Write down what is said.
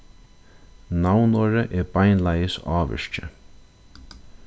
navnorðið er beinleiðis ávirki